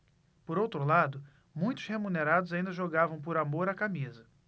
por outro lado muitos remunerados ainda jogavam por amor à camisa